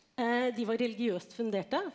de var religiøst funderte.